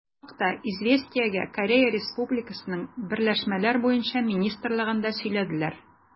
Бу хакта «Известия»гә Корея Республикасының берләшмәләр буенча министрлыгында сөйләделәр.